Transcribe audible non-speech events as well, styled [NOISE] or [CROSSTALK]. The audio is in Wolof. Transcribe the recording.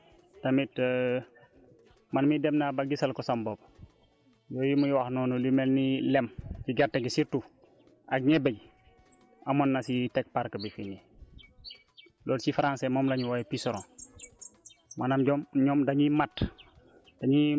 bon dégg naa interpellations yi tamit [HESITATION] man mii dem naa ba gisal ko sama bopp yooyu muy wax noonu lu mel ni lem si gerte gi surtout ak ñebe ji amoon na si teg parc bi fii loolu si français moom la ñuy woowee puceron